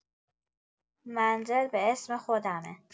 منزل به اسم خودمه.